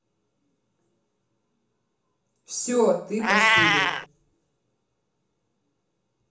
все ты посуды